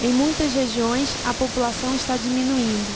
em muitas regiões a população está diminuindo